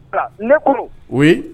Ne kuru